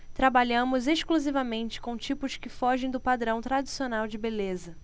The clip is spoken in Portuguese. trabalhamos exclusivamente com tipos que fogem do padrão tradicional de beleza